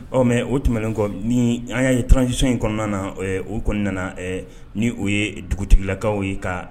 Ɔ mɛ o tɛmɛnen kɔ ni'' ye transiso in kɔnɔna o kɔni nana ni o ye dugutigilakaw ye ka